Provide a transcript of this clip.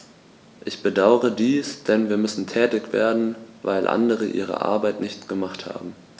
Ich bedauere dies, denn wir müssen tätig werden, weil andere ihre Arbeit nicht gemacht haben.